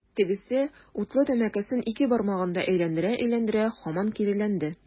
Тегесе, утлы тәмәкесен ике бармагында әйләндерә-әйләндерә, һаман киреләнде.